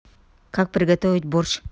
как приготовить борщ